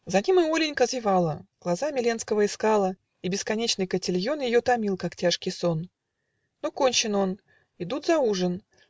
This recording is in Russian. За ним и Оленька зевала, Глазами Ленского искала, И бесконечный котильон Ее томил, как тяжкий сон. Но кончен он. Идут за ужин.